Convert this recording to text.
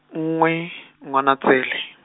nngwe, Ngwanatsele.